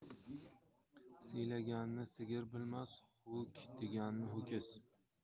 siylaganni sigir bilmas ho'k deganni ho'kiz